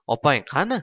opang qani